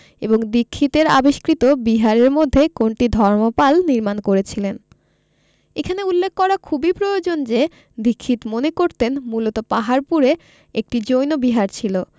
এবং দীক্ষিতের আবিষ্কৃত বিহারের মধ্যে কোনটি ধর্মপাল নির্মাণ করেছিলেন এখানে উল্লেখ করা খুবই প্রয়োজন যে দীক্ষিত মনে করতেন মূলত পাহাড়পুরে একটি জৈন বিহার ছিল